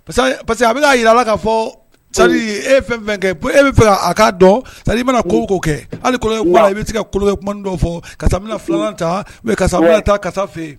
Parce parce que a'a jira a la ka fɔ e fɛn fɛn kɛ e bɛ fɛ' dɔn sa i mana kɛ hali bɛ se ka fɔ filan karisa fɛ